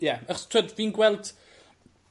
Ie achs t'wod fi'n gweld